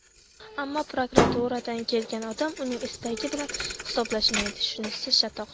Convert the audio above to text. ammo prokuraturadan kelgan odam uning istagi bilan hisoblashmaydi shunisi chatoq